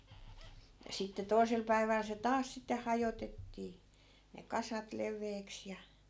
ja sitten toisella päivällä se taas sitten hajotettiin ne kasat leveäksi ja